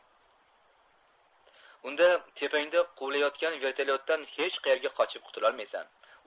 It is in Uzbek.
unda tepangda quvalayotgan vertolyotdan hech qayerga qochib qutulolmaysan